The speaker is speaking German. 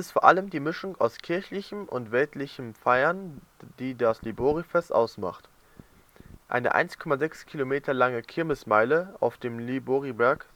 vor allem die Mischung aus kirchlichen und weltlichem Feiern, die das Liborifest ausmacht. Eine 1,6 Kilometer lange Kirmesmeile auf dem Liboriberg